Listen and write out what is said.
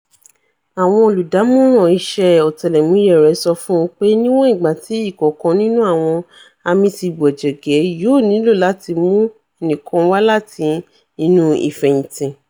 Àwọn olùdámọ̀ràn iṣẹ́ ọ̀tẹlẹ̀múyẹ rẹ̀ sọ fún un pé níwọn ìgbàtí ìkọ̀ọ̀kan nínú àwọn àmì ti gbọ̀jẹ̀gẹ́, yóò nílò láti mú ẹnìkan wá láti inu ìfẹ̀yìntì.